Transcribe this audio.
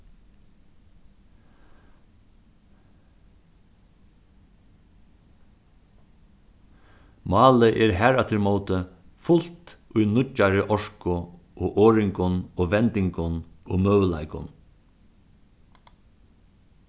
málið er harafturímóti fult í nýggjari orku og orðingum og vendingum og møguleikum